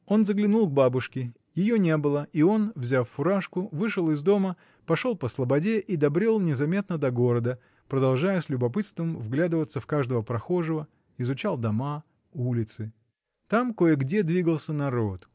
Он заглянул к бабушке: ее не было, и он, взяв фуражку, вышел из дома, пошел по слободе и добрел незаметно до города, продолжая с любопытством вглядываться в каждого прохожего, изучал дома, улицы. Там кое-где двигался народ.